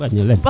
baña lem